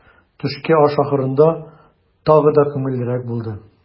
Төшке аш ахырында тагы да күңеллерәк булды.